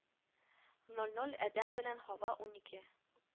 Ноль ноль адәм белән һава унике